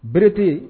Berete